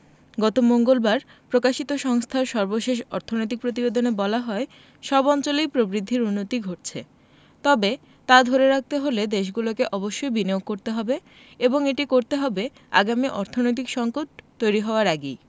গত মঙ্গলবার প্রকাশিত সংস্থার সর্বশেষ অর্থনৈতিক প্রতিবেদনে বলা হয় সব অঞ্চলেই প্রবৃদ্ধির উন্নতি ঘটছে তবে তা ধরে রাখতে হলে দেশগুলোকে অবশ্যই বিনিয়োগ করতে হবে এবং এটি করতে হবে আগামী অর্থনৈতিক সংকট তৈরি হওয়ার আগেই